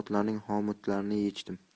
amallab otlarning xomutlarini yechdim